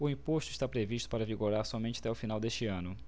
o imposto está previsto para vigorar somente até o final deste ano